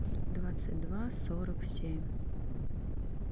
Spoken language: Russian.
двадцать два сорок семь